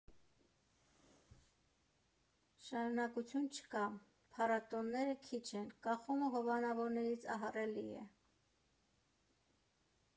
«Շարունակականություն չկա, փառատոները քիչ են, կախումը հովանավորներից ահռելի է»։